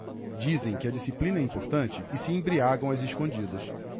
dizem que a disciplina é importante e se embriagam às escondidas